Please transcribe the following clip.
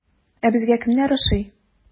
Ә безгә кемнәр ошый?